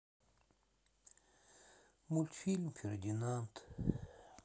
мультфильм фердинанд